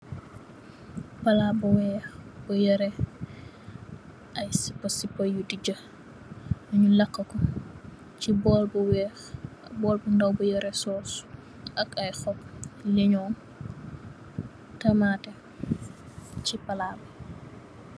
Palat bu wekh bu yoreh ayy sipa sipa yu dija nyu lakako si bol bu wekh bol bu ndaw bu yoreh sauce ak ayy xop liñon tamateh si palat.